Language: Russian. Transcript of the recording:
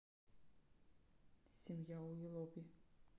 семья уилоби